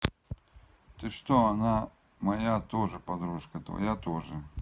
ты что она моя тоже подружка твоя тоже